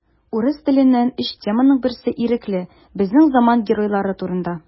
Урыс теленнән өч теманың берсе ирекле: безнең заман геройлары турында.